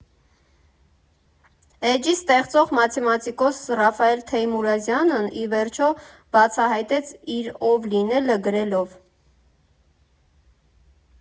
Էջի ստեղծող մաթեմատիկոս Ռաֆայել Թեյմուրազյանն ի վերջո բացահայտեց իր ով լինելը՝ գրելով.